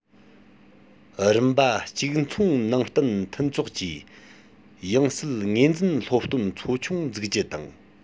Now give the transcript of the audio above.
རིམ པ གཅིག མཚུངས ནང བསྟན མཐུན ཚོགས ཀྱིས ཡང སྲིད ངོས འཛིན སློབ སྟོན ཚོ ཆུང འཛུགས རྒྱུ དང